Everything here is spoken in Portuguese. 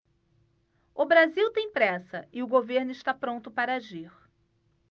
o brasil tem pressa e o governo está pronto para agir